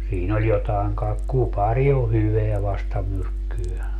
siinä oli jotakin kai kupari on hyvää vastamyrkkyä